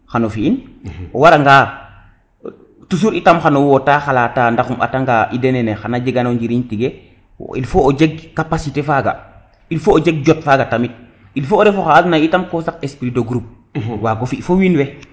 xano fi in o wara nga toujours itam xano wota xalata ndax um ata nga idée nene xana jegano njiriñtige il faut o jeg capacité faga il faut o jeg jot faga tamit il faut ref axa nado naye itam ko saq esprit de groupe wago fi fo wiin we